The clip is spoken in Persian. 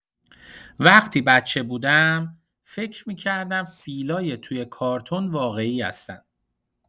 وقتی بچه بودم، فکر می‌کردم فیلای توی کارتون واقعی هستن.